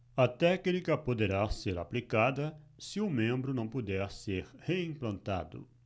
a técnica poderá ser aplicada se o membro não puder ser reimplantado